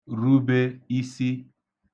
rube isi